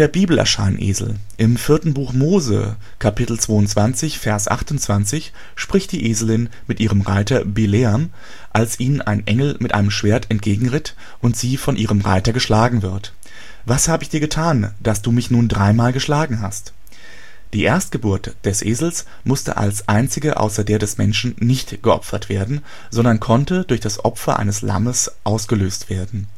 Bibel erscheinen Esel. Im 4. Buch Mose 22,28 spricht die Eselin mit ihrem Reiter Bileam, als ihnen ein Engel mit einem Schwert entgegentritt und sie von ihrem Reiter geschlagen wird: Was hab ich dir getan, dass du mich nun dreimal geschlagen hast? Die Erstgeburt des Esels musste als einzige außer der des Menschen nicht geopfert werden, sondern konnte durch das Opfer eines Lammes ausgelöst werden